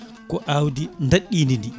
ko awdi daɗɗidi ndi